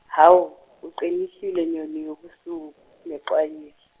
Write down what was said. hhawu uqinisile nyoni yobusuku Mexwayisi.